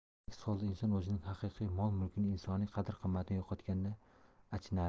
aks holda inson o'zining haqiqiy mol mulki insoniy qadr qimmatini yo'qotganda achinarli